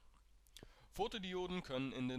Photodioden können